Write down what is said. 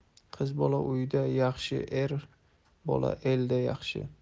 qiz bola uyda yaxshi er bola elda yaxshi